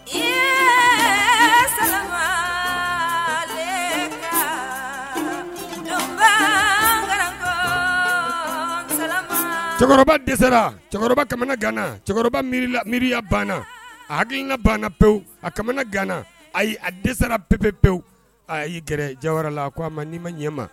Cɛkɔrɔba dɛsɛ cɛkɔrɔba ka gana cɛkɔrɔba mi miiriya bannaana a ha ka banna pewu a ka gana ayi a dɛsɛsara pep pewu a'i gɛrɛ jawa la ko a ma n'i ma ɲɛ ma